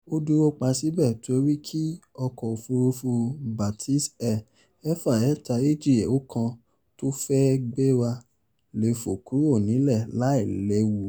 Ó dúró pa síbẹ̀ torí kí ọkọ̀-òfúrufú Batik Air 6321, tó fẹ́ gbéra, lè fò kúrò nílẹ̀ láì léwu.